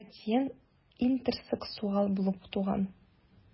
Ратьен интерсексуал булып туган.